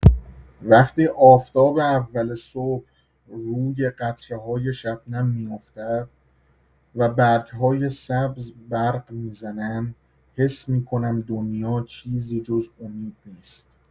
وقتی آفتاب اول صبح روی قطره‌های شبنم می‌افتد و برگ‌های سبز برق می‌زنند، حس می‌کنم دنیا چیزی جز امید نیست.